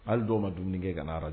Hali dɔw ma dumuni kɛ ka na